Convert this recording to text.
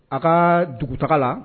A ka dugu taga la